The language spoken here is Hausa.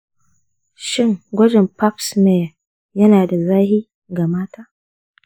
shin gwajin pap smear yana da zafi ga mata?